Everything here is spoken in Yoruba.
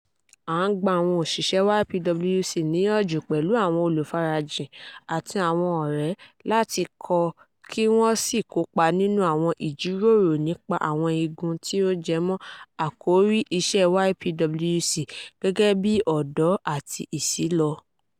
À ń gba àwọn òṣìṣẹ́ YPWC níyànjú, pẹ̀lú àwọn olùfarajìn àti àwọn ọ̀rẹ́ láti kọ kí wọn ó sì kópa nínú àwọn ìjíròrò nípa àwọn igun tí ó jẹmọ́ àkòrí iṣẹ́ YPWC gẹ́gẹ́ bíi ọ̀dọ́ àti ìsílọ.